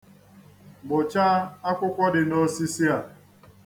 Gbụchaa akwụkwọ dị n'osisi a.